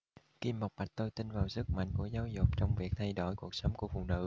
kim bộc bạch tôi tin vào sức mạnh của giáo dục trong việc thay đổi cuộc sống của phụ nữ